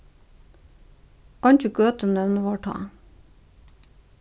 eingi gøtunøvn vóru tá